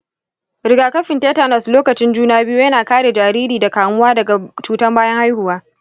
rigakafin tatonas lokacin juna biyu yana kare jariri daga kamuwa da cutar bayan haihuwa.